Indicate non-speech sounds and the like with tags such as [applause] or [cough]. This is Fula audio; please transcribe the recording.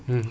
[hesitation] [hesitation]